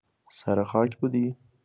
سر خاک بودی؟